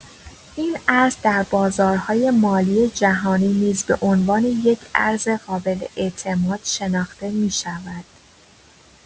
این ارز در بازارهای مالی جهانی نیز به عنوان یک ارز قابل‌اعتماد شناخته می‌شود.